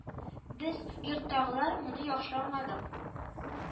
Без, йорттагылар, моны яхшы аңладык